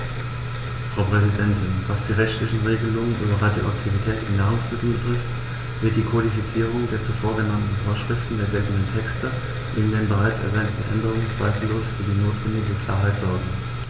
Frau Präsidentin, was die rechtlichen Regelungen über Radioaktivität in Nahrungsmitteln betrifft, wird die Kodifizierung der zuvor genannten Vorschriften der geltenden Texte neben den bereits erwähnten Änderungen zweifellos für die notwendige Klarheit sorgen.